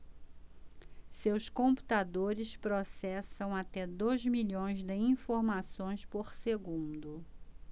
seus computadores processam até dois milhões de informações por segundo